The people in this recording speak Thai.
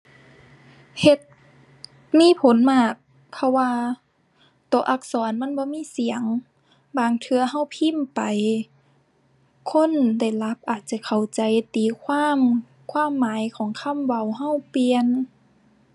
เฮ็ด มีผลมาก เพราะว่าตัวอักษรมันบ่มีเสียง บางเทื่อตัวพิมพ์ไป คนได้รับอาจจะเข้าใจตีความความหมายของคำเว้าตัวเปลี่ยน